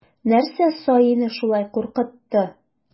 Нәрсә саине шулай куркытты?